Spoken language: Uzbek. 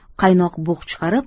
qaynoq bug' chiqarib